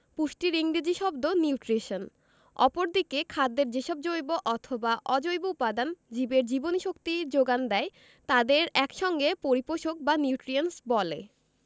পুষ্টির ইংরেজি শব্দ নিউট্রিশন অপরদিকে খাদ্যের যেসব জৈব অথবা অজৈব উপাদান জীবের জীবনীশক্তির যোগান দেয় তাদের এক সঙ্গে পরিপোষক বা নিউট্রিয়েন্টস বলে